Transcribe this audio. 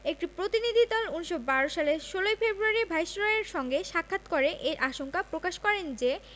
একটি প্রতিনিধিদল ১৯১২ সালের ১৬ ফেব্রুয়ারি ভাইসরয়ের সঙ্গে সাক্ষাৎ করে এ আশঙ্কা প্রকাশ করেন যে